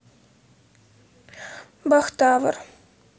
бахтавар